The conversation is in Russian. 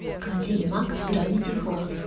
катя и макс гравити фолз